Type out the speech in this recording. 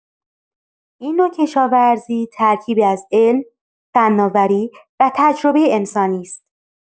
این نوع کشاورزی ترکیبی از علم، فناوری و تجربه انسانی است.